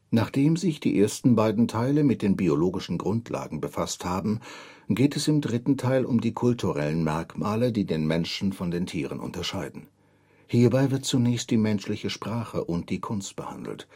Nachdem sich die ersten beiden Teile mit den biologischen Grundlagen befasst haben, geht es im dritten Teil um die kulturellen Merkmale, die den Menschen von den Tieren unterscheiden. Hierbei wird zunächst die menschliche Sprache und die Kunst behandelt